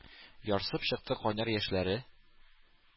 Ярсып чыкты кайнар яшьләре.